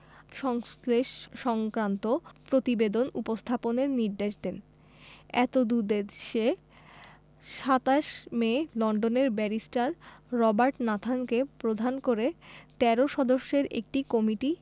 সংশ্লেষ সংক্রান্ত প্রতিবেদন উপস্থাপনের নির্দেশ দেন এতদুদ্দেশ্যে ২৭ মে লন্ডনের ব্যারিস্টার রবার্ট নাথানকে প্রধান করে ১৩ সদস্যের একটি কমিটি